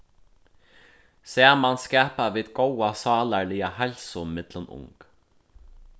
saman skapa vit góða sálarliga heilsu millum ung